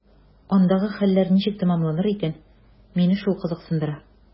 Андагы хәлләр ничек тәмамланыр икән – мине шул кызыксындыра.